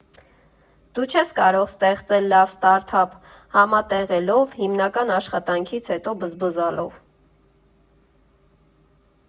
Դու չես կարող ստեղծել լավ ստարտափ՝ համատեղելով, հիմնական աշխատանքից հետո բզբզալով.